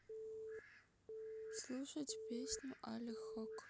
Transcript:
слушать песню алех хокк